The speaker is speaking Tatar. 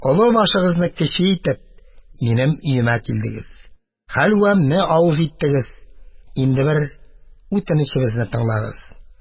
Олы башыгызны кече итеп минем өемә килдегез, хәлвәмнән авыз иттегез, инде бер үтенечебезне тыңлагыз